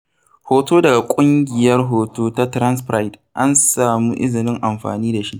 Hoto daga ƙungiyar Hoto ta Trans Pride, an samu izinin amfani da shi.